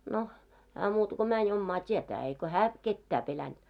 no hän muuta kuin meni omaa tietään eikä hän ketään pelännyt